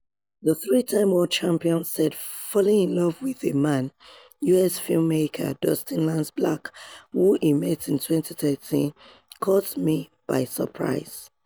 The three-time world champion said falling in love with a man - US film-maker Dustin Lance Black, who he met in 2013 - "caught me by surprise."